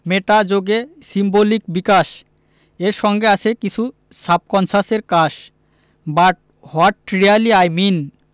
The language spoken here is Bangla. মেটা যোগে সিম্বলিক বিকাশ এর সঙ্গে আছে কিছু সাবকন্সাসের কাশ but what really I mean